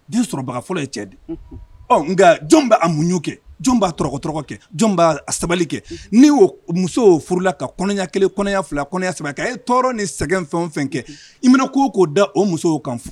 Den sɔrɔbaga fɔlɔ ye cɛ de ye nka jɔn b'a muɲu kɛ jɔn b'a t tɔrɔgɔtɔgɔ kɛ jɔn b'a sabali kɛ n'i o musow furula ka kɔnɔɲɛ 1 kɔnɔɲɛ 2 kɔnɔɲɛ 3 kɛ a ye tɔɔrɔ ni sɛgɛn ni fɛn o fɛn kɛ i mana ko o ko da o musow kan fɔ